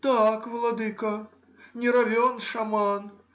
— Так, владыко,— не ровен шаман